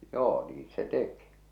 joo niin se teki